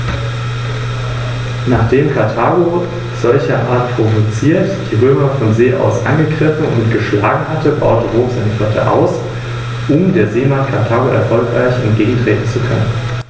Der Sieg über Karthago im 1. und 2. Punischen Krieg sicherte Roms Vormachtstellung im westlichen Mittelmeer.